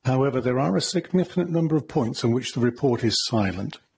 However, there are a significant number of points on which the report is silent.